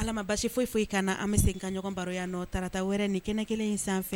Ala basi foyi foyi i kana an bɛ se n ka ɲɔgɔn baroya nɔ taarata wɛrɛ ni kɛnɛ kelen in sanfɛ